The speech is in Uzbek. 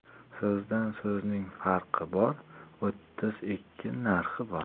so'zdan so'zning farqi bor o'ttiz ikki narxi bor